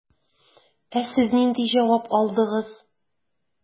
Ә сез нинди җавап алдыгыз?